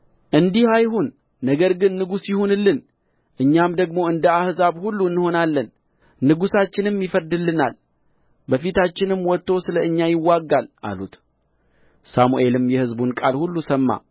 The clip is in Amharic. እንዲህ አይሁን ነገር ግን ንጉሥ ይሁንልን እኛም ደግሞ እንደ አሕዛብ ሁሉ እንሆናለን ንጉሣችንም ይፈርድልናል በፊታችንም ወጥቶ ስለ እኛ ይዋጋል አሉት ሳሙኤልም የሕዝቡን ቃል ሁሉ ሰማ